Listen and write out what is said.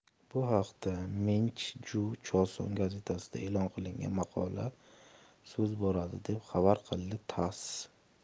bu haqda minchju choson gazetasida e'lon qilingan maqola so'z boradi deb xabar qildi tass